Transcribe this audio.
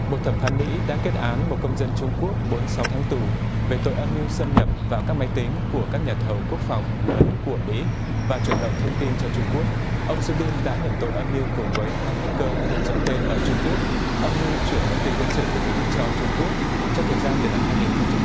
một thẩm phán mỹ đã kết án một công dân trung quốc bốn sáu tháng tù về tội âm mưu xâm nhập vào các máy tính của các nhà thầu quốc phòng lớn của mỹ và chuyển lậu thông tin cho trung quốc ông sơ bin đã nhận tội âm mưu cùng với hai hách cơ không rõ tên ở trung quốc âm mưu chuyển thông tin quân sự của mỹ cho trung quốc trong thời gian từ năm hai nghìn không trăm